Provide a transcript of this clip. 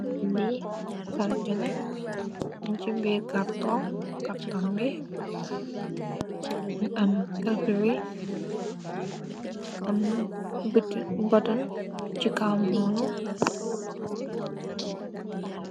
Lii kalpi la niñci bir kartom bi am kalpi bi am botan ci kawam nounu.